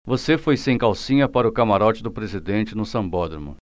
você foi sem calcinha para o camarote do presidente no sambódromo